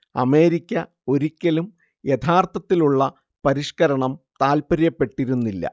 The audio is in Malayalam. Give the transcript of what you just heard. അമേരിക്ക ഒരിക്കലും യഥാർത്ഥത്തിലുള്ള പരിഷ്കരണം താല്പര്യപ്പെട്ടിരുന്നില്ല